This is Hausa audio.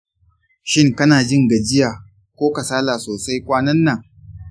shin kana jin gajiya ko kasala sosai kwanan nan?